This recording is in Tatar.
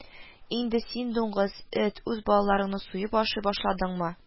Инде син, дуңгыз, эт, үз балаларыңны суеп ашый башладыңмы